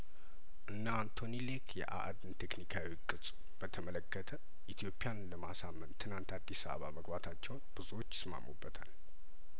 እነ አንቶኒ ሌክ የአአድን ቴክኒካዊ ቅጽ በተመለከተ ኢትዮጵያን ለማሳመን ትናንት አዲስ አበባ መግባታቸውን ብዙዎች ይስማሙ በታል